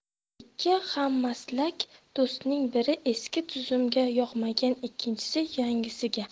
ikki hammaslak do'stning biri eski tuzumga yoqmagan ikkinchisi yangisiga